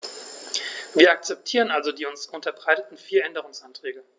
Wir akzeptieren also die uns unterbreiteten vier Änderungsanträge.